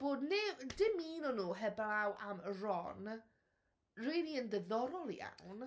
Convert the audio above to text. bod ne- dim un o nhw, heblaw am Ron rili yn ddiddorol iawn.